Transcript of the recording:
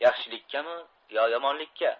yaxshilikkarni yomonlikka